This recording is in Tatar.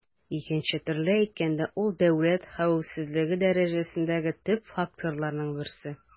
Икенче төрле әйткәндә, ул дәүләт хәвефсезлеге дәрәҗәсендәге төп факторларның берсе.